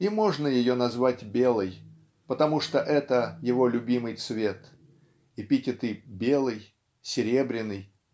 И можно ее назвать белой, потому что это - его любимый цвет эпитеты "белый серебряный